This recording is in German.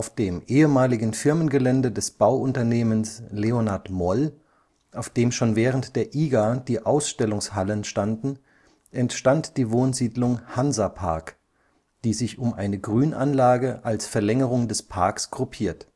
dem ehemaligen Firmengelände des Bauunternehmens Leonhard Moll, auf dem schon während der IGA die Ausstellungshallen standen, entstand die Wohnsiedlung Hansapark, die sich um eine Grünanlage als Verlängerung des Parks gruppiert